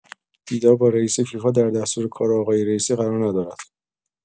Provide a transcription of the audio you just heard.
دیدار با رئیس فیفا در دستورکار آقای رئیسی قرار ندارد.